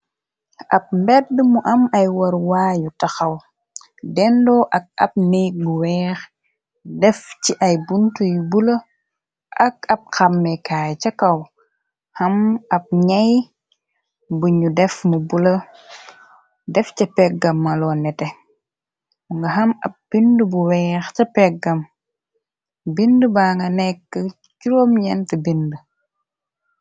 Ab mbedd mu am ay warwaayu taxaw, dendoo ak ab nég bu weex, def ci ay bunt yu bula, ak ab xammekaay ca kaw, xam ab ñey bunu def mu bula def ca peggam, maloon nete, nga xam ab bind bu weex ca peggam, bind ba nga nekk 9 bind.